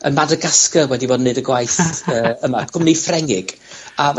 yn Madagascar wedi bod yn neud y gwaith.. ...yy yma. Cwmni Ffrengig felly...